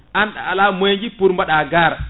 an a ala moyen ji pour mbaɗa gar